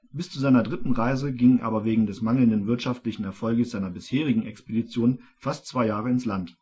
Bis zu seiner dritten Reise gingen aber wegen des mangelnden wirtschaftlichen Erfolgs seiner bisherigen Expeditionen fast zwei Jahre ins Land